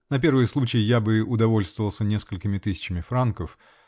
-- На первый случай я бы удовольствовался несколькими тысячами франков.